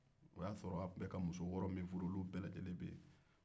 o y'a sɔrɔ a ka muso wɔɔrɔ bɛ yen